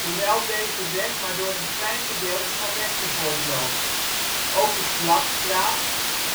hoewel deze weg maar door een klein gedeelte van Westervoort loopt. Ook de Klapstraat,